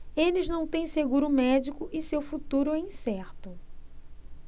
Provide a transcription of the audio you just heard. eles não têm seguro médico e seu futuro é incerto